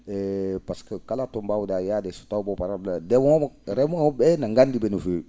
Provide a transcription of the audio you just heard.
e par ce que kala to mbaw?aa yaade so taw bo para* ndemoowo remoo?e ?ee ne nganndi ?e no feewi